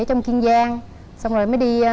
trong kiên giang xong rồi mới đi